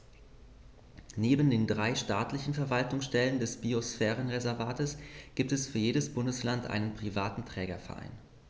Neben den drei staatlichen Verwaltungsstellen des Biosphärenreservates gibt es für jedes Bundesland einen privaten Trägerverein.